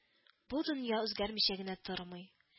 Бу дөнья үзгәрмичә генә тормый